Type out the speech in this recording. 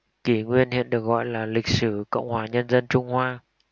kỷ nguyên hiện được gọi là lịch sử cộng hòa nhân dân trung hoa